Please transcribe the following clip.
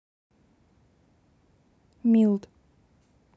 милд